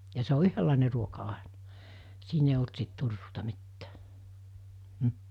ja se on yhdenlainen ruoka aina siinä ei ollut sitten turruuta mitään mm